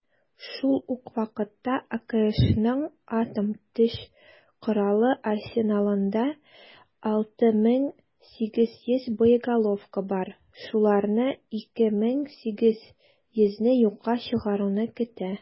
Шул ук вакытта АКШның атом төш коралы арсеналында 6,8 мең боеголовка бар, шуларны 2,8 меңе юкка чыгаруны көтә.